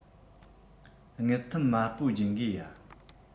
དངུལ ཐུམ དམར པོ སྦྱིན དགོས ཡ